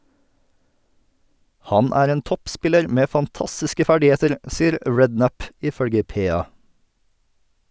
Han er en toppspiller med fantastiske ferdigheter, sier Redknapp, ifølge PA.